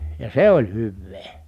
ja se oli hyvää